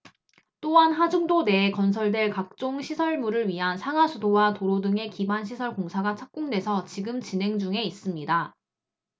또한 하중도 내에 건설될 각종 시설물을 위한 상하수도와 도로 등의 기반시설 공사가 착공돼서 지금 진행 중에 있습니다